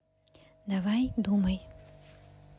давай думай